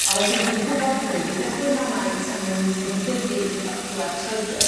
a wedyn dwi'n gw'bod ma' n'w mynd i ddyblu mewn maint a ma' nw'n mynd i dyfu i bedwar troedfedd.